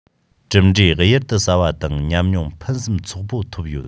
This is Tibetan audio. གྲུབ འབྲས གཡུར དུ ཟ བ དང ཉམས མྱོང ཕུན སུམ ཚོགས པོ ཐོབ ཡོད